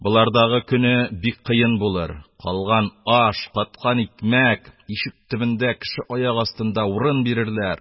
Болардагы, көне бик кыен булыр: калган аш, каткан икмәк, ишек төбендә, кеше аяк астында урын бирерләр